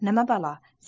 nima balo